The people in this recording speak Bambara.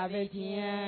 A bɛ tiɲaa